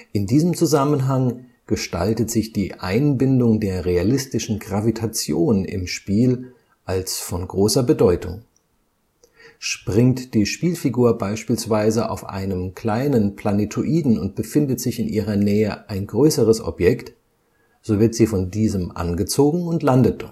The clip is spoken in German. In diesem Zusammenhang gestaltet sich die Einbindung der realistischen Gravitation im Spiel als von großer Bedeutung. Springt die Spielfigur beispielsweise auf einem kleinen Planetoiden und befindet sich in ihrer Nähe ein größeres Objekt, so wird sie von diesem angezogen und landet